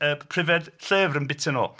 Pryfed llyfr yn byta nhw.